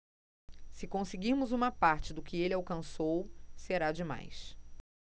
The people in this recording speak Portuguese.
se conseguirmos uma parte do que ele alcançou será demais